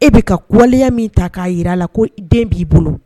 e bɛ kaliya min ta k'a jira a la ko den b'i bolo